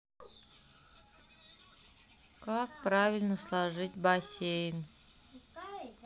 как правильно сложить бассейн